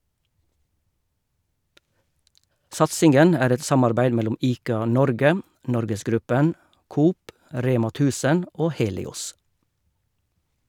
Satsingen er et samarbeid mellom ICA-Norge , NorgesGruppen, Coop , Rema 1000 og Helios.